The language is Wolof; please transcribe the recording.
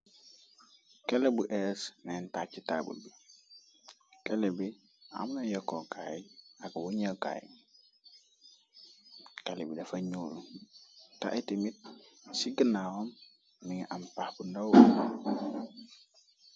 kale bu es neen tàcci taabul bi kele bi amna yokkokaay ak bu ñëwkaay kale bi dafa ñuuru te ayti mit ci gënawaom mi nga am pax bu ndow